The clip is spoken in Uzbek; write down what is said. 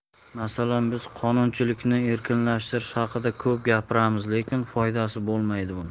masalan biz qonunchilikni erkinlashtirish haqida ko'p gapiramiz